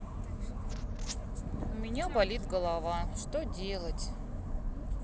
у меня болит голова что делать